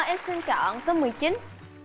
em xin chọn số mười chín